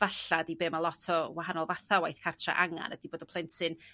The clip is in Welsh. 'falla' 'di be ma' lot o wahanol fatha' o waith cartra angan ydi bod y plentyn